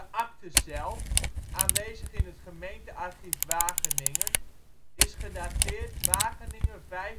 akte zelf, aanwezig in het Gemeentearchief Wageningen, is gedateerd Wageningen 5 mei 1945